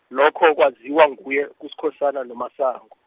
lokho kwaziwa nguye, kuSkhosana noMasango.